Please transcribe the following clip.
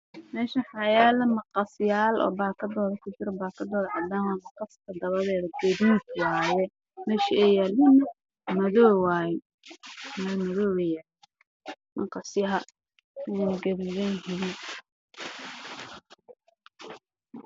Meeshaan waxaa yaalo maqasyaal